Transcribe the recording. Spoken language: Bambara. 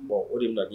Bon o de ye